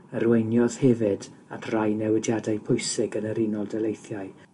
arweiniodd hefyd at rai newidiadau pwysig yn yr Unol Daleithiau,